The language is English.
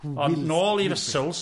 Ond nôl i fussels.